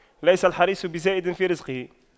ليس الحريص بزائد في رزقه